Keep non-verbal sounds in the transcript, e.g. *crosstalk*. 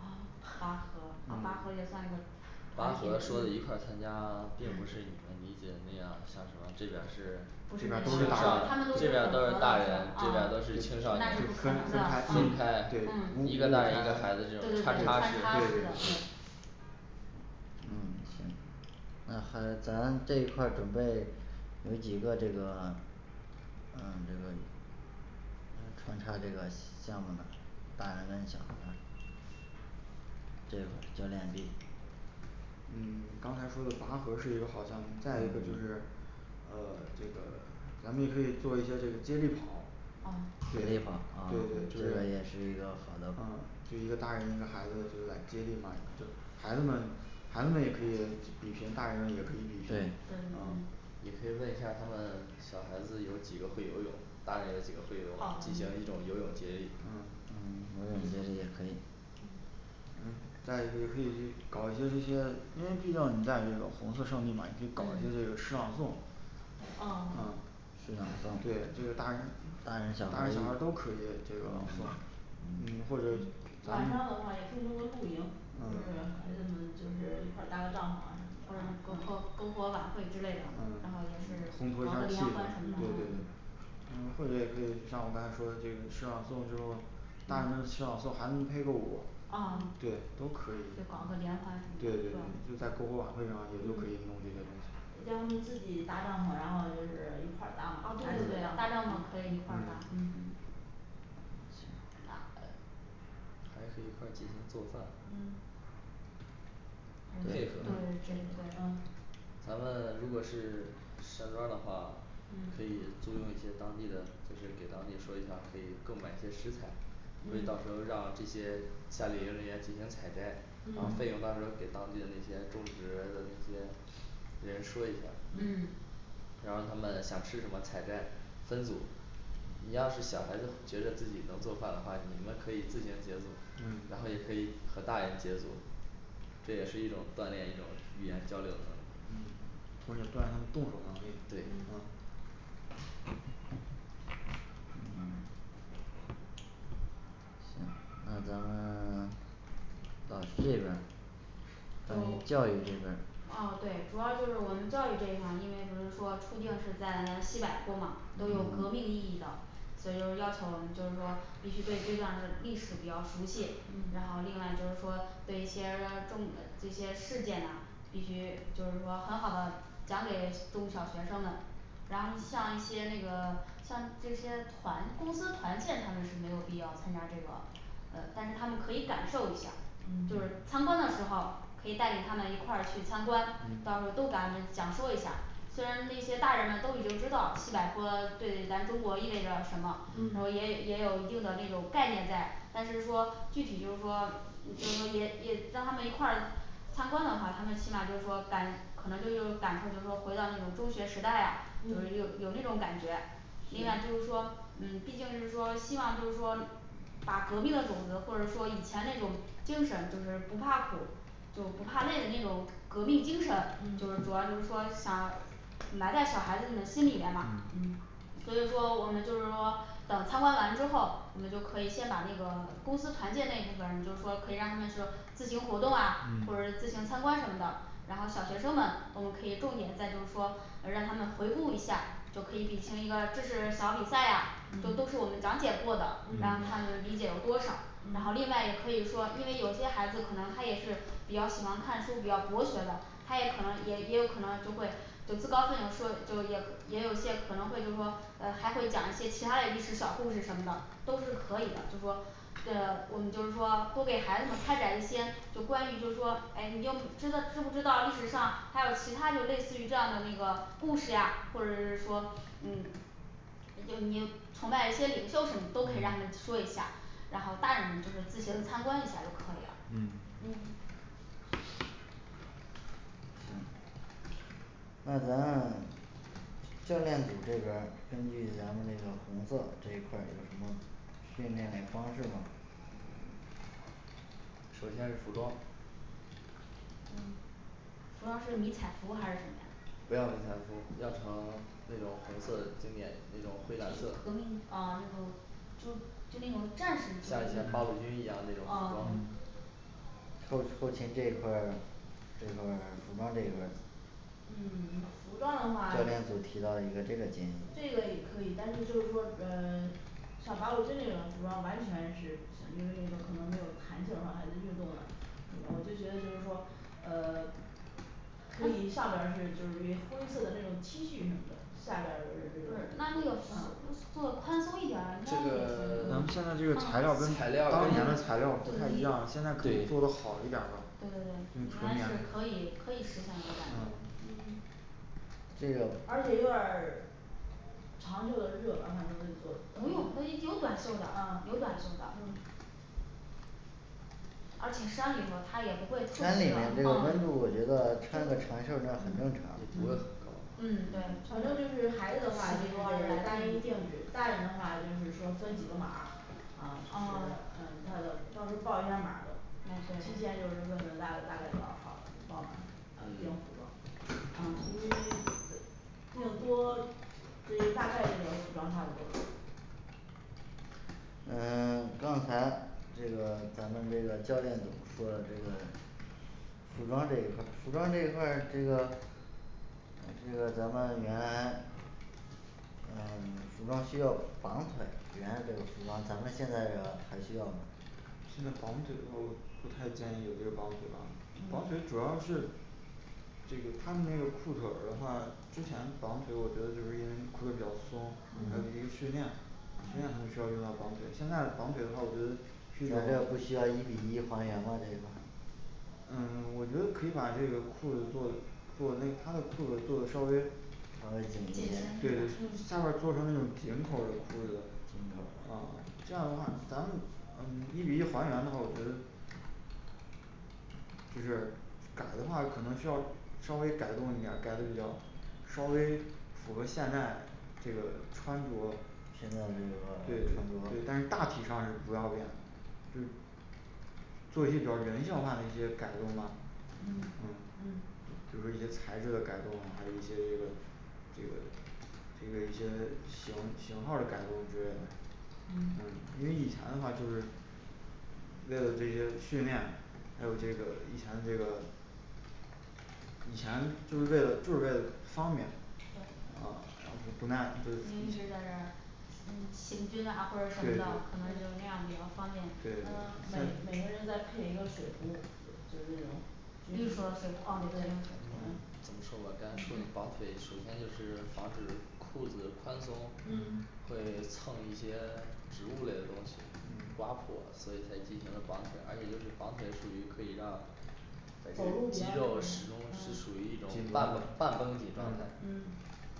拔拔河啊拔河也算一个 *crosstalk* 拔团体河说的一嗯块儿参加， *silence*，并不是你嗯们理解的那样，那可能这边儿是不是那样的，啊，他们都是这边儿啊，都是大人这边儿都是青少年那是不 *noise* 可分能的，嗯嗯开，对对一个大人一个孩子这种对，穿穿插插式式的对嗯行嗯，还有咱这一块儿准备有几个这个，嗯这个分开这个项目呢，大人跟小孩儿这教练B 嗯，刚才说的拔河是一个好项目，再一个就是呃，这个咱们也可以做一些这个接力跑接力啊跑啊对这也是一个对好的方嗯法就一个大人一个孩子就是来接力嘛，就孩子们孩子们也可以比拼，大人们也可以比对拼，啊对嗯也可以问一下他们小孩子有几个会游泳，大人有几个会游泳举行一种游泳接力嗯游泳接力也可以嗯嗯再一个也可以搞一些这些，因为毕竟你在这种红色圣地嘛你可以搞一些这个诗嗯朗诵。嗯哦，诗朗对，就是诵大人，大大人人小小孩孩儿儿都可以这个朗诵嗯或者晚上的话也可以弄个露营，孩嗯子们就是一块儿搭个帐篷啊或者篝篝什篝火么的晚啊会之类的，然后也是烘搞个托一联下欢气什氛么对对的对嗯嗯或者也可以像我刚才说的就是诗朗诵之后，大人们诗朗诵孩子们配个舞哦，，就对，都可以搞个联欢什么，对的是对吧？对在篝火晚会上可以弄嗯这个东西让他们自己搭帐篷，然后就是一块儿搭啊嘛，对对对，搭帐篷可以一块儿搭，。嗯还可以一块儿进行做饭嗯这也对可对，这以个，啊咱们如果是山庄儿的话，可以嗯租用一些当地的，就是给当地说一下，可以购买一些食材可以到时候嗯让这些夏令营人员进行采摘，然后费嗯用到时候给当地的那些种植那些那些也说一下儿嗯嗯然后他们想吃什么采摘，分组，你要是小孩子觉得自己能做饭的话，你们可以自行结组，然后也可嗯以和大人结组，这也是一种锻炼，一种语言交流的能力嗯或者算他们动手的能力，啊对嗯行那咱们 *silence* 老师这边儿就咱们教育这边儿啊，对，主要就是我们教育这一环，因为不是说初定是在咱西柏坡嘛都有革命意义的这就要求我们就是说必须对这段的历史比较熟悉，然后嗯另外就是说对一些中这些事件呢必须就是说很好的讲给中小学生们，然后像一些那个，像这些团公司团建他们是没有必要参加这个呃，但是他们可以感受一下，就是参观嗯的时候可以带领他们一块儿去参观，到时候儿多嗯给他们讲说一下虽然那些大人们都已经知道西柏坡对咱中国意味着什么，然后嗯也也有一定的那种概念在但是说具体就是说就是说也也让他们一块儿参观的话，他们起码就是说感可能就有感受就是说回到那种中学时代呀，就是有有那嗯种感觉另外就是说嗯毕竟就是说希望就是说嗯嗯所以说我们就是说等参观完之后，我们就可以先把那个公司团建那一部分人就是说可以让他们说自行活动啊或者嗯是自行参观什么的然后小学生们我们可以重点再就是说让他们回顾一下，就可以比行一个知识小比赛呀，这都是嗯我们讲解过的，然后他嗯们理解有多少然后另外嗯也可以说，因为有些孩子可能他也是比较喜欢看书，比较博学的他也可能也也有可能就会就自告奋勇说，就也也有些可能会就是说呃还会讲一些其他的历史小故事什么的都是可以的就是说那我们就是说多给孩子们开展一些就关于就是说，唉，你有知道知不知道历史上还有其他就类似于这样的那个故事啊，或者是说嗯，呃就是你崇拜一些领袖什么都可以让他们说一下，然后大人们就是自行参观一下就可以了嗯嗯那咱们教练组这边儿根据咱们这个红色这一块儿有什么训练嘞方式吗首先是服装嗯服装是迷彩服还是什么呀不要迷彩服，要成那种红色经典，那种灰蓝色革命，啊那种就就那种战士们像穿以的前，八路哦军一样那对种服装后后勤这一块儿 *silence* 这一块儿服装这一块儿，嗯 *silence* 服装的话这教个也练组提到了一个这个建议可以，但是就是说呃 *silence* 像八路军那种服装完全是不行，因为那个可能没有弹性的话他一运动呢我就觉得就是说呃 *silence* 可以上边儿是就是这灰色的那种T恤什么的下边儿就是这不种是那那个服 *silence* 做宽松一点儿应这呃该也个咱们 *silence* 现在这个材材料儿料儿嗯跟跟以前材料儿不太一样，现在可以对做的好一点儿的对对对，应该是可以可以实现，我感觉嗯这个而且有点儿长袖的热刚才那个，不用，有短袖儿的啊，，有短袖儿的嗯而且山里头它也不会特别热山里边儿嗯就这个温度，我觉得嗯穿个长袖儿这样很正常。嗯反对正就是孩子的话也就是单一定制，大人的话就是说分几个码儿，啊到时，啊哦他的到时候报一下码儿啊都，提前对就是问问大家大概多少号儿报码儿还要定服装啊因为 *silence* 定多 *silence* 就是大概一个服装号儿是多少。嗯 *silence* 刚才这个咱们这个教练组说的这个服装这一块儿，服装这一块儿这个，这个咱们原来嗯 *silence* 服装需要绑腿，原来这个服装咱们现在这还需要吗？现在绑腿我不太建议，这个绑腿啊，绑腿主嗯要是这个他们那个裤腿儿的话，之前绑腿我觉得就是因为裤子比较松，还有一个训练嗯，训练的时候用到绑腿，现在的绑腿的话我觉得去年的不是需要一比一还原吗这一块儿嗯 *silence* 我觉得可以把那个裤子做做那个他们的裤子做的稍微稍微紧紧身一身，点对一儿点，下儿面儿嗯做成那种紧口儿的可以，嗯啊这样的话咱们，嗯，一比一还原的话，我觉得，就是改的话可能需要稍微改动一点儿，改的比较稍微符合现在这个穿着现在的这对，对个但穿是大着体上是不要用。就做一些比较人性化的一些改动吧嗯嗯嗯，比如一些材质的改动啊，还有一些这个这个就是一些型型号儿的改动之类的嗯嗯因为以前的话就是为了这些训练，还有这个以前这个以前就是为了就是为了方便对，因为，啊，不那样就一直在这儿嗯行军啊或者对什么对的，可能就那样比较方便，嗯，每每个人再配一个水壶，就是那种绿色水壶啊嗯，水壶绑腿首先就是防止裤子宽松嗯肌走路比较肉始终是处于一种紧，啊，半崩绷半崩紧状态嗯